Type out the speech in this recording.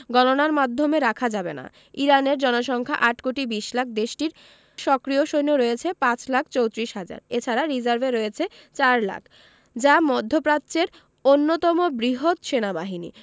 গণনার মাধ্যমে রাখা যাবে না ইরানের জনসংখ্যা ৮ কোটি ২০ লাখ দেশটির সক্রিয় সৈন্য রয়েছে ৫ লাখ ৩৪ হাজার এ ছাড়া রিজার্ভে রয়েছে ৪ লাখ যা মধ্যপ্রাচ্যের অন্যতম বৃহৎ সেনাবাহিনী